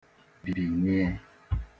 biniè